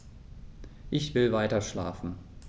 Ich will weiterschlafen.